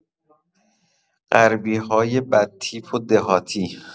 غربی‌های بدتیپ و دهاتی!